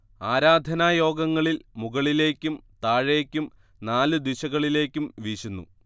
ആരാധനായോഗങ്ങളിൽ മുകളിലേക്കും താഴേയ്ക്കും നാല് ദിശകളിലേക്കും വീശുന്നു